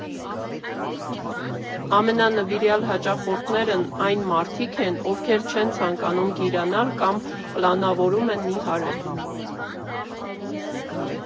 Ամենանվիրյալ հաճախորդներն այն մարդիկ են, ովքեր չեմ ցանկանում գիրանալ կամ պլանավորում են նիհարել։